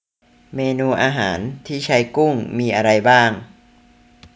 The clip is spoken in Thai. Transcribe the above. เมนูอาหารที่ใช้กุ้งมีอะไรบ้าง